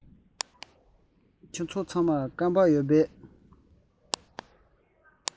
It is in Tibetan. ཁྱེད ཚོ ཚང མར སྐམ པ ཡོད པས